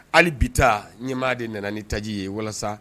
Hali bi taa ɲɛmaa de nana ni taji ye walasa